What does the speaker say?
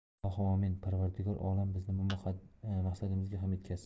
ilohi omin parvardigori olam bizni bu maqsadimizga ham yetkazsin